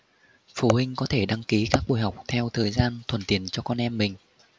phụ huynh có thể đăng ký các buổi học theo thời gian thuận tiện cho con em mình